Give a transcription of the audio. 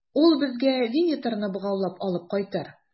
Ул безгә Винитарны богаулап алып кайтыр.